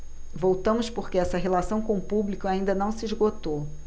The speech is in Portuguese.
voltamos porque essa relação com o público ainda não se esgotou